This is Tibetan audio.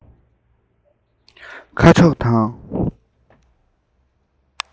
ཁ ཕྱོགས དང